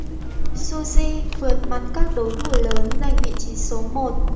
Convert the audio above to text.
suzy vượt mặt các đối thủ lớn giành vị trí số một